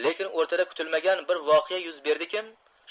lekin o'rtada kutilmagan bir voqea yuz berdikim